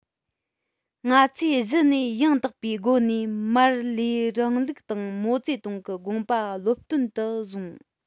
ང ཚོས གཞི ནས ཡང དག པའི སྒོ ནས མར ལེའི རིང ལུགས དང མའོ ཙེ ཏུང གི དགོངས པ སློབ སྟོན དུ བཟུང